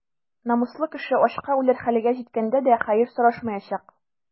Намуслы кеше ачка үләр хәлгә җиткәндә дә хәер сорашмаячак.